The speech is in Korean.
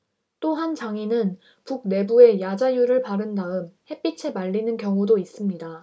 또한 장인은 북 내부에 야자유를 바른 다음 햇빛에 말리는 경우도 있습니다